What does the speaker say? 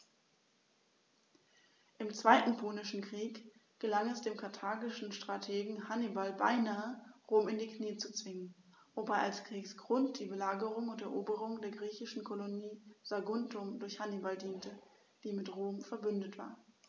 Im Zweiten Punischen Krieg gelang es dem karthagischen Strategen Hannibal beinahe, Rom in die Knie zu zwingen, wobei als Kriegsgrund die Belagerung und Eroberung der griechischen Kolonie Saguntum durch Hannibal diente, die mit Rom „verbündet“ war.